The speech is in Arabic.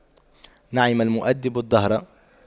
نعم المؤَدِّبُ الدهر